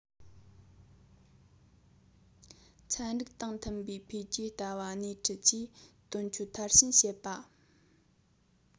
ཚན རིག དང མཐུན པའི འཕེལ རྒྱས ལྟ བ སྣེ ཁྲིད ཀྱིས དོན འཁྱོལ མཐར ཕྱིན བྱེད པ